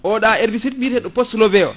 oɗa herbicide biyateɗo postelévé: o